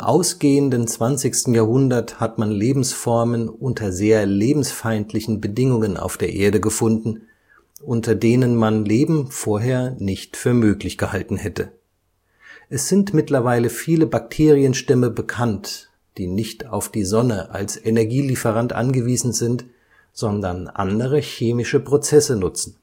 ausgehenden 20. Jahrhundert hat man Lebensformen unter sehr „ lebensfeindlichen “Bedingungen auf der Erde gefunden, unter denen man Leben vorher nicht für möglich gehalten hätte. Es sind mittlerweile viele Bakterienstämme bekannt, die nicht auf die Sonne als Energielieferant angewiesen sind, sondern andere chemische Prozesse nutzen,